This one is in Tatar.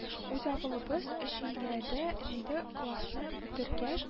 Үз авылыбыз Өчөйледә җиде классны бетер-гәч